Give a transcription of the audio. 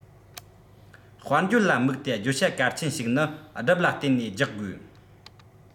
དཔལ འབྱོར ལ དམིགས ཏེ བརྗོད བྱ གལ ཆེན ཞིག ནི སྒྲུབ ལ བརྟེན ནས རྒྱག དགོས